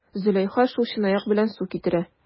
Зөләйха шул чынаяк белән су китерә.